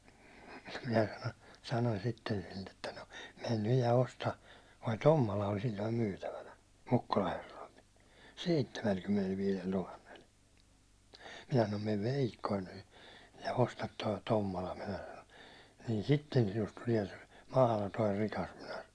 minä - sanoin sitten sille että no mene nyt ja osta tuo Tommola ol silloin myytävänä Mukkula herroilla seitsemänkymmenellä tuhannella minä sanon mene veikkonen nyt ja osta tuo Tommola minä sanoi niin sitten sinusta tulee se mahdoton rikas minä sanoin